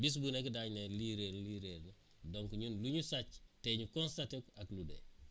bis bu nekk daañu ne lii réer na lii réer na donc ñun lu ñu sàcc te ñu constaté ak mu dee